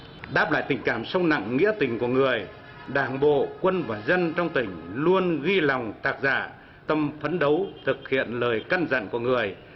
đáp lại tình cảm sâu nặng nghĩa tình của người đảng bộ quân và dân trong tỉnh luôn ghi lòng tạc dạ tâm phấn đấu thực hiện lời căn dặn của người